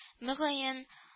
Мөгаен